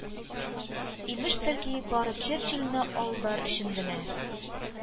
Имештер ки, “бары черчилльне алдар өчен генә